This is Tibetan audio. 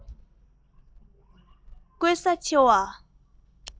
བཀོལ ས ཆེ བ